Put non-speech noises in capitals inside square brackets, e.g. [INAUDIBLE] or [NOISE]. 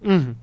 [HESITATION] [HESITATION]